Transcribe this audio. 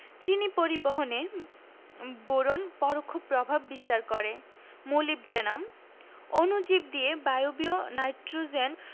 চিনি পরিবহনে বোরন পরোক্ষ প্রভাব বিস্তার করে মোলিবডেনাম অণুজীব দিয়ে বায়বীয় নাইট্রোজেন